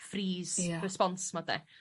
freeze... Ia. ...response 'ma 'de?